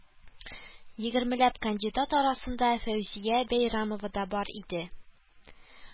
Егермеләп кандидат арасында Фәүзия Бәйрәмова да бар иде